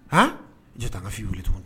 Aaa, i jɔ tan n'ka filmer tugun